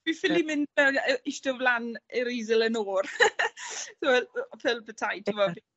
Fi ffili myn' mewn yy ishte o flan yr easel yn o'r ch'mod, fel petai t'mod.